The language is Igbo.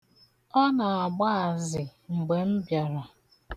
Ọ na-agba azị mgbe m bịara.